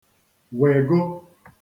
wègo